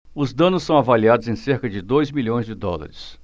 os danos são avaliados em cerca de dois milhões de dólares